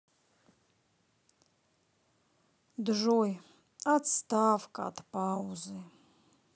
джой отставка от паузы